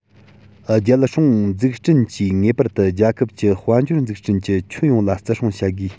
རྒྱལ སྲུང འཛུགས སྐྲུན གྱིས ངེས པར དུ རྒྱལ ཁབ ཀྱི དཔལ འབྱོར འཛུགས སྐྲུན གྱི ཁྱོན ཡོངས ལ བརྩི སྲུང བྱ དགོས